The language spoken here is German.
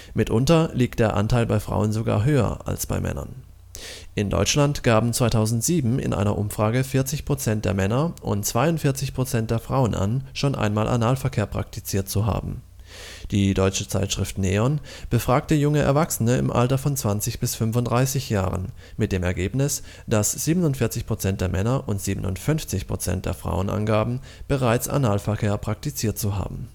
Mitunter liegt der Anteil bei Frauen sogar höher als bei Männern: In Deutschland gaben 2007 in einer Umfrage 40 % der Männer und 42 % der Frauen an, schon einmal Analverkehr praktiziert zu haben.. Die deutsche Zeitschrift Neon befragte junge Erwachsene im Alter von 20 bis 35 Jahren, mit dem Ergebnis, dass 47 % der Männer und 57 % der Frauen angaben, bereits Analverkehr praktiziert zu haben